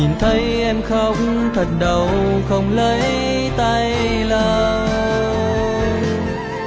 nhìn thấy em khóc thật đau không lấy tay lau